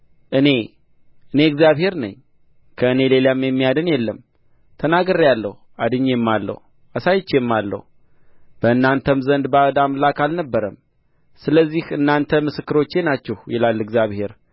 እኔ እኔ እግዚአብሔር ነኝ ከእኔ ሌላም የሚያድን የለም ተናግሬአለሁ አድኜማለሁ አሳይቼማለሁ በእናንተም ዘንድ ባዕድ አምላክ አልነበረም ስለዚህ እናንተ ምስክሮቼ ናችሁ ይላል እግዚአብሔር